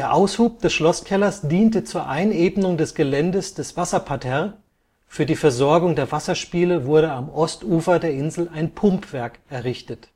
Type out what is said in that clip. Aushub des Schlosskellers diente zur Einebnung des Geländes des Wasserparterres, für die Versorgung der Wasserspiele wurde am Ostufer der Insel ein Pumpwerk errichtet